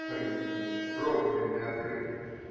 Поистине трогательное открытие.